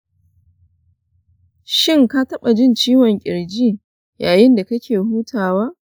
shin ka taɓa jin ciwon ƙirji yayin da kake hutawa?